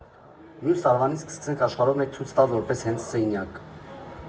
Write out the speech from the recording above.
Մյուս տարվանից կսկսենք աշխարհով մեկ ցույց տալ՝ որպես հենց սենյակ։